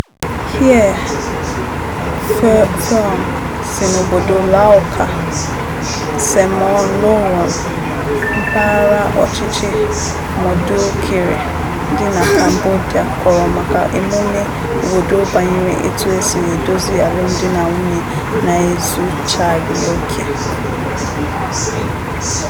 Hea Phoeun si n'Obodo Laoka, Senmonorom, Mpaghara Ọchịchị Mondulkiri dị na Cambodia kọrọ maka emume obodo banyere etu e si edozi alumdinanwunye na-ezuchaghị oke.